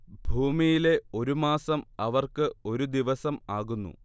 ഭൂമിയിലെ ഒരു മാസം അവർക്ക് ഒരു ദിവസം ആകുന്നു